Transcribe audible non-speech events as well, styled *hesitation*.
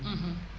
*hesitation* *hesitation*